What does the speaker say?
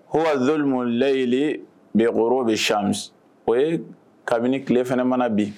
H lu layilen mɛ o bɛ saame o ye kabini tile fana mana bi